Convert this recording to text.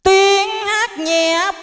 tiếng hát nhẹ